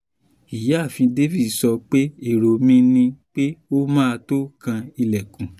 Ìyáàfin Davis sọ pé: “Èrò mi ni pé ó ma tó kan ilẹ̀kùn.”